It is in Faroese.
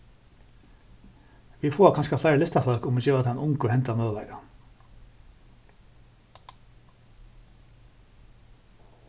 vit fáa kanska fleiri listafólk um vit geva teimum ungu hendan møguleikan